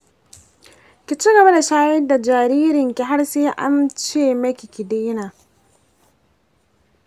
ki ci gaba da shayar da jaririn ki har sai ance maki ki daina.